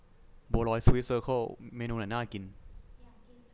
บัวลอยสวีทเซอเคิลเมนูไหนน่ากิน